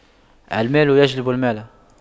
المال يجلب المال